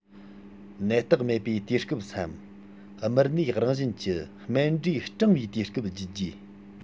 ནད རྟགས མེད པའི དུས སྐབས སམ མུར གནས རང བཞིན གྱི རྨེན འབྲས སྐྲང བའི དུས སྐབས བརྒྱུད རྗེས